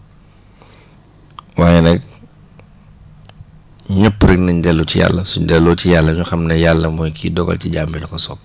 waaye nag ñëpp rek nañ dellu ci yàlla suñ delloo ci yàlla ñu xam ne yàlla mooy kiy dogal ci jaam bi la ko soob